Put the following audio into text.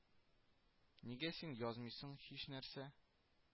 Нигә син язмыйсың һичнәрсә